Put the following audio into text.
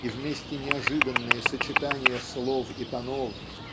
и вместе неожиданные сочетания слов и тонов